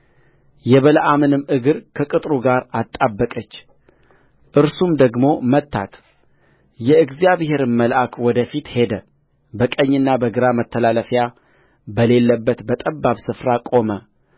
የበለዓምንም እግር ከቅጥሩ ጋር አጣበቀች እርሱም ደግሞ መታትየእግዚአብሔርም መልአክ ወደ ፊት ሄደ በቀኝና በግራ መተላለፊያ በሌለበት በጠባብ ስፍራ ቆመ